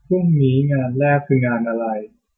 พรุ่งนี้่ิงานแรกคืองานอะไร